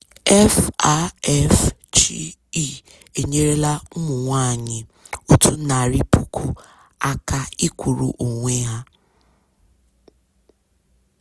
FAFCI enyerela ụmụ nwaanyị 100,000 aka ịkwụrụ onwe ha.